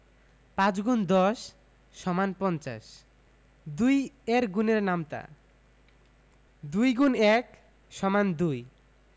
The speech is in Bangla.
৫×১০ = ৫০ ২ এর গুণের নামতা ২ X ১ = ২